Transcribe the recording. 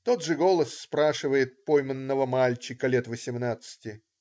Тот же голос спрашивает пойманного мальчика лет восемнадцати.